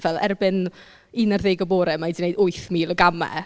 Fel erbyn unarddeg y bore, ma' hi 'di wneud wyth mil o gamau.